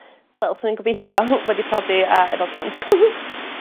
Wel swn i'n gobeithio wedi prodi a efo plant.